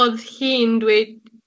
odd hi'n dweud